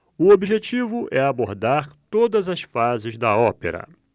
o objetivo é abordar todas as fases da ópera